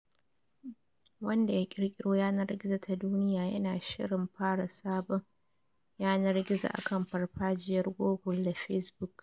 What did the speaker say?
Wanda ya kirkiro yanar gizo ta duniya yana shirin fara sabon yanar gizo akan farfajiyar google da facebook.